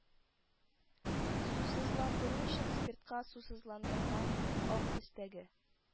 Сусыз ландыру өчен, спиртка сусызландырылган (ак төстәге)